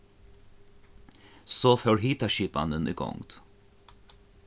so fór hitaskipanin í gongd